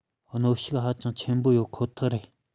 གནོན ཤུགས ཧ ཅང ཆེན པོ ཡོད ཁོ ཐག རེད